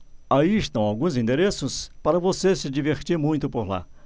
aí estão alguns endereços para você se divertir muito por lá